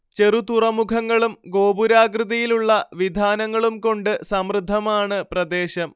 ചെറുതുറമുഖങ്ങളും ഗോപുരാകൃതിയിലുള്ള വിധാനങ്ങളും കൊണ്ട് സമൃദ്ധമാണ് പ്രദേശം